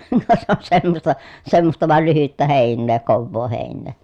no se on semmoista semmoista vain lyhyttä heinää kovaa heinää